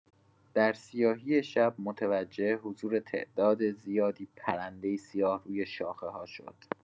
در سیاهی شب متوجه حضور تعداد زیادی پرنده سیاه روی شاخه‌ها شد.